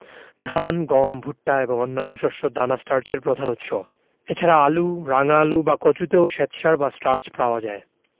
ধান গম ভুট্টা এবং অন্যান্য শস্য দানা স্টার্চের প্রধান উৎস এছাড়া আলু রাঙা আলু বা কচুতেও শ্বেতসার বা স্টার্চ পাওয়া যায়